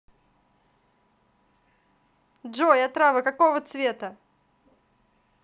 джой отрава какого цвета